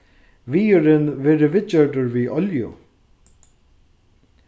viðurin verður viðgjørdur við olju